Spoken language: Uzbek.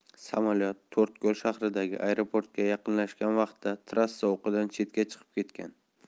samolyot to'rtko'l shahridagi aeroportga yaqinlashgan vaqtida trassa o'qidan chetga chiqib ketgan